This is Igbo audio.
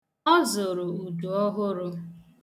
Ọ zụrụ udu ọhụrụ.